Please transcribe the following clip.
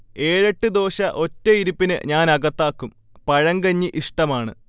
ഏഴെട്ട് ദോശ ഒറ്റയിരുപ്പിന് ഞാൻ അകത്താക്കും, പഴങ്കഞ്ഞി ഇഷ്ടമാണ്